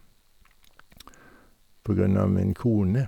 På grunn av min kone.